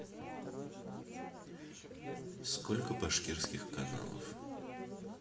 сколько башкирских каналов